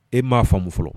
E m'a faamu fɔlɔ